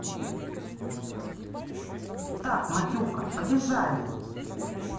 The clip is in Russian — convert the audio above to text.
так матюха побежали